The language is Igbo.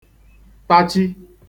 tachi